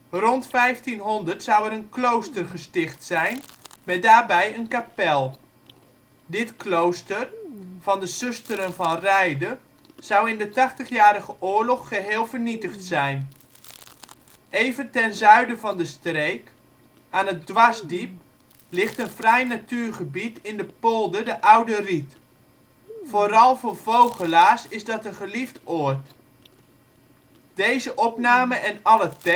Rond 1500 zou er een klooster gesticht zijn, met daarbij een kapel. Dit klooster, van de Susteren van Reyde zou in de Tachtigjarige Oorlog geheel vernietigd zijn. Even ten zuiden van de streek, aan het Dwarsdiep ligt een fraai natuurgebied in de polder de Oude Riet. Vooral voor vogelaars is dat een geliefd oord. Plaatsen in de gemeente Marum Dorpen: Boerakker · De Wilp · Jonkersvaart · Lucaswolde · Marum · Niebert · Noordwijk · Nuis Buurtschappen: Bakkerom (deels) · Balktil · De Haar · Hamrik · De Jammer · Keuningswijk · De Linde ·' t Malijk · Trimunt · Willemstad · Zethuis Groningen: Steden en dorpen Nederland: Provincies · Gemeenten 53° 11 ' NB, 6°